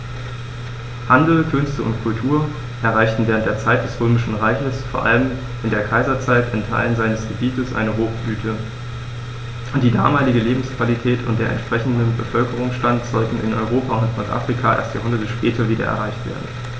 Handel, Künste und Kultur erreichten während der Zeit des Römischen Reiches, vor allem in der Kaiserzeit, in Teilen seines Gebietes eine Hochblüte, die damalige Lebensqualität und der entsprechende Bevölkerungsstand sollten in Europa und Nordafrika erst Jahrhunderte später wieder erreicht werden.